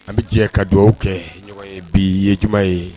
An bɛ jɛ ka dugawu kɛ bi ye juma ye.